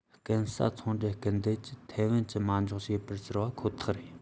སྐམ ས ཚོང འགྲུལ སྐུལ འདེད ཀྱིས ཐའེ དབན གྱི མ འཇོག བྱས པར ཟེར པ ཁོ ཐག རེད